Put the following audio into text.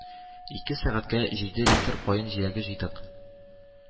“ике сәгатькә җиде литр каен җиләге җыйдык.